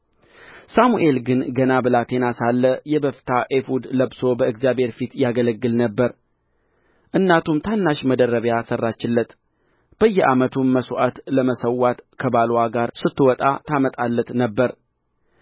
ሳሙኤል ግን ገና ብላቴና ሳለ የበፍታ ኤፉድ ለብሶ በእግዚአብሔር ፊት ያገለግል ነበር እናቱም ታናሽ መደረቢያ ሠራችለት በየዓመቱም መሥዋዕት ለመሠዋት ከባልዋ ጋር ስትወጣ ታመጣለት ነበር